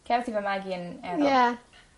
Ces i fy magu yn Ewrop. Ie.